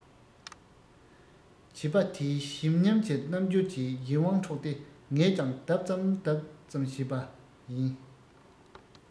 བྱིས པ དེའི ཞིམ ཉམས ཀྱི རྣམ འགྱུར གྱིས ཡིད དབང འཕྲོག སྟེ ངས ཀྱང ལྡག ཙམ ལྡག ཙམ བྱས པ ཡིན